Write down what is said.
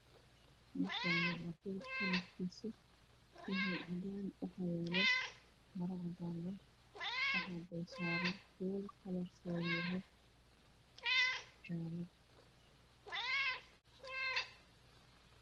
Meeshaani waa dhul kalarkiisu yahay cadaan waxaa yaala mara cadaan ah waxaa dulsaaran Kuul kalarkeedu yahay jaalo